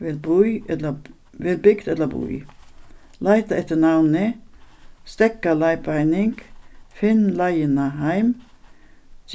vel bý ella vel bygd ella bý leita eftir navni steðga leiðbeining finn leiðina heim